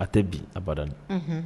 A tɛ bin abadan.